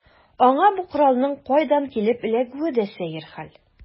Аңа бу коралның кайдан килеп эләгүе дә сәер хәл.